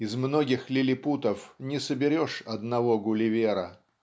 из многих лилипутов не соберешь одного Гулливера.